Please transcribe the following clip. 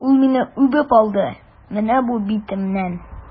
Ул мине үбеп алды, менә бу битемнән!